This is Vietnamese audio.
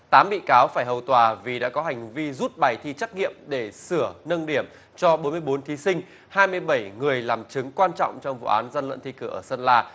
tám bị cáo phải hầu tòa vì đã có hành vi rút bài thi trắc nghiệm để sửa nâng điểm cho bốn mươi bốn thí sinh hai mươi bảy người làm chứng quan trọng trong vụ án gian lận thi cử ở sơn la